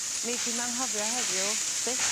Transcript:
Nei di'm anghofio heddiw byth...